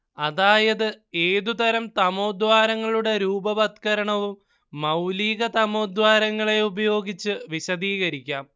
അതായത് ഏതുതരം തമോദ്വാരങ്ങളുടെ രൂപവത്കരണവും മൗലികതമോദ്വാരങ്ങളെ ഉപയോഗിച്ച് വിശദീകരിക്കാം